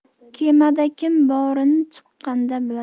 kemada kim borini chiqqanda bilasan